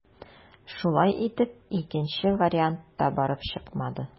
Шулай итеп, икенче вариант та барып чыкмады.